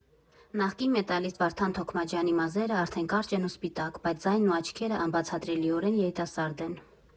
Նախկին մետալիստ Վարդան Թոքմաջյանի մազերը արդեն կարճ են ու սպիտակ, բայց ձայնն ու աչքերը անբացատրելիորեն երիտասարդ են։